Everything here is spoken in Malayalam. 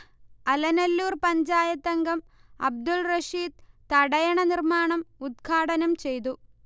അലനല്ലൂർ പഞ്ചായത്തംഗം അബ്ദുൾറഷീദ് തടയണ നിർമാണം ഉദ്ഘാടനംചെയ്തു